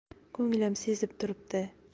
ko'nglim sezib turibdi